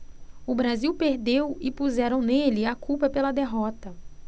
o brasil perdeu e puseram nele a culpa pela derrota